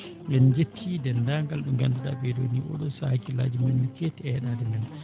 en njettii denndaangal ɓe ngannduɗaa ɓee ɗoo nii ooɗoo sahaa hakkillaaji mumen ne keetti e heɗaade men